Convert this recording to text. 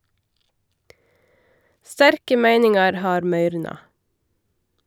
Sterke meiningar har møyrna.